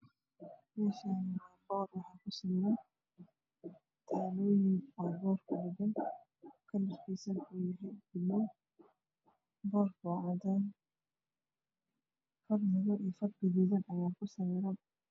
Meeshaan waa boor waxuu saaran yahay talooyin kalarkiisu waa buluug boorku waa cadaan korna far madow ah iyo far gaduudan ayaa kusawiran.